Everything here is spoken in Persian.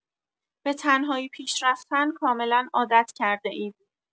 به‌تنهایی پیش‌رفتن کاملا عادت کرده‌اید.